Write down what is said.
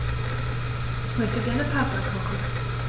Ich möchte gerne Pasta kochen.